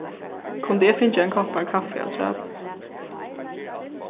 kundi eg fingið ein kopp av kaffi afturat